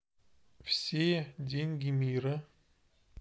все деньги мира